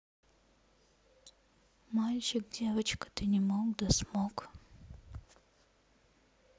мальчик девочка ты не мог да смог